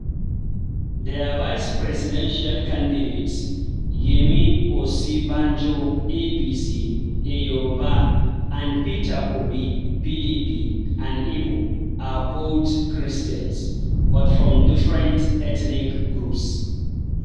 Their vice-presidential candidates – Yemi Osibanjo (APC), a Yoruba, and Peter Obi (PDP), an Igbo, are both Christians— but from different ethnic groups.